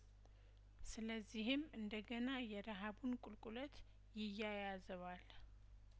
ስለዚህም እንደገና የረሀቡን ቁልቁለት ይያያዘዋል